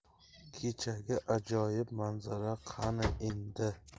kechagi ajoyib manzara qani endi